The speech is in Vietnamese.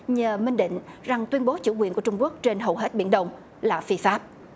nhờ minh định rằng tuyên bố chủ quyền của trung quốc trên hầu hết biển đông là phi pháp